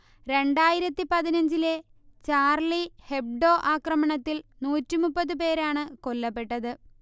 രണ്ടായിരത്തി പതിനഞ്ചിലെ Charlie Hebdo ആക്രമണത്തിൽ നൂറ്റി മുപ്പത് പേരാണ് കൊല്ലപ്പെട്ടത്